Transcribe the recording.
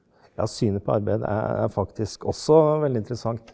ja synet på arbeid er faktisk også veldig interessant.